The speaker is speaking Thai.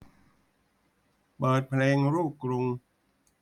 เปิดเพลงลูกกรุง